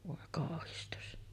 voi kauhistus